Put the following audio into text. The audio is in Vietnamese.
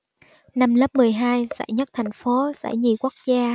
năm lớp mười hai giải nhất thành phố giải nhì quốc gia